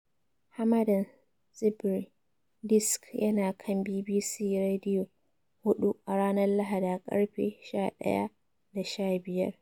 Hamadan Tsibiri Disc yana kan BBC Radiyo 4 a ranar Lahadi a karfe 11:15